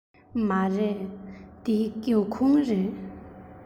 མ རེད འདི སྒེའུ ཁུང རེད